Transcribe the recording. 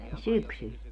syksyllä